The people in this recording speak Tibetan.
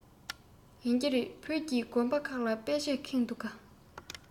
ཡིན གྱི རེད བོད ཀྱི དགོན པ ཁག ལ དཔེ ཆས ཁེངས འདུག ག